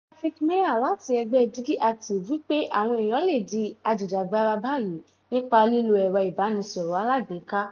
Patrick Meier, láti ẹgbẹ́ DigiActive, wí pé àwọn èèyàn lè di ajìjàgbara báyìí nípa lílo ẹ̀rọ ìbánisọ̀rọ̀ alágbèéká.